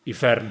Uffern.